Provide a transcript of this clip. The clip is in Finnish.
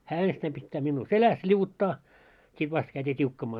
hän ensittäin pitää minua selässä liu'uttaa sitten vasta käytiin tiukkamaan